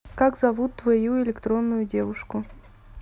как зовут твою электронную девушку